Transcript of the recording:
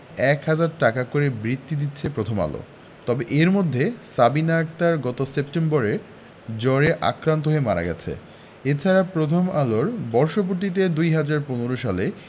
১ হাজার টাকা করে বৃত্তি দিচ্ছে প্রথম আলো তবে এর মধ্যে সাবিনা আক্তার গত সেপ্টেম্বরে জ্বরে আক্রান্ত হয়ে মারা গেছে এ ছাড়া প্রথম আলোর বর্ষপূর্তিতে ২০১৫ সালে